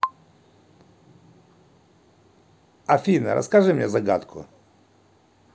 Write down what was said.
афина расскажи мне загадку